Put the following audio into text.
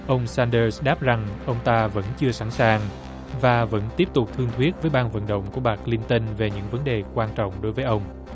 ông xan đơ đáp rằng ông ta vẫn chưa sẵn sàng và vẫn tiếp tục thương thuyết với ban vận động của bà cờ lin tơn về những vấn đề quan trọng đối với ông